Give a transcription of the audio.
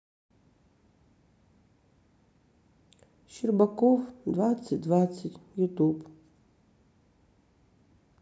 щербаков двадцать двадцать ютуб